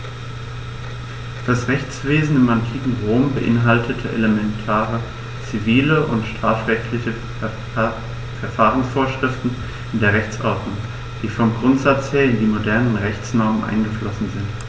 Das Rechtswesen im antiken Rom beinhaltete elementare zivil- und strafrechtliche Verfahrensvorschriften in der Rechtsordnung, die vom Grundsatz her in die modernen Rechtsnormen eingeflossen sind.